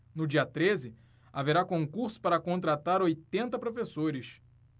no dia treze haverá concurso para contratar oitenta professores